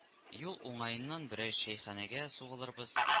Юл уңаеннан берәр чәйханәгә сугылырбыз